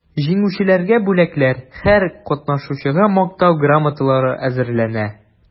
Җиңүчеләргә бүләкләр, һәр катнашучыга мактау грамоталары әзерләнә.